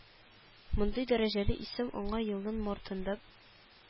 Мондый дәрәҗәле исем аңа елның мартында